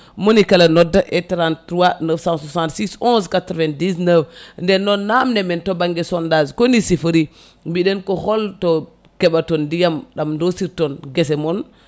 monikala nodda e 33 966 11 99 nden noon namde men to banggue sondage koni sifori mbiɗen ko holto keɓaton ndiyam ɗam dosirton guese moon